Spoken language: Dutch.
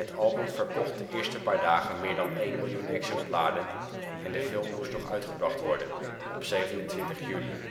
album verkocht de eerste paar dagen meer dan één miljoen exemplaren en de film moest nog uitgebracht worden (27 juli